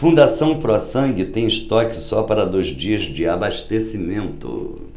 fundação pró sangue tem estoque só para dois dias de abastecimento